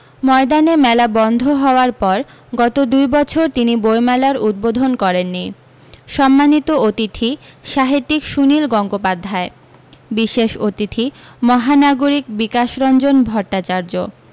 ময়দানে মেলা বন্ধ হওয়ার পর গত দুই বছর তিনি বৈমেলার উদ্বোধন করেননি সম্মানিত অতিথি সাহিত্যিক সুনীল গঙ্গোপাধ্যায় বিশেষ অতিথি মহানাগরিক বিকাশরঞ্জন ভট্টাচার্য